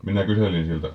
minä kyselin siltä